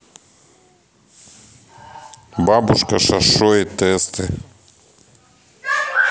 бабушка шошо и тесты